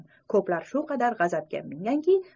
ko'plar shu qadar g'azabga minganki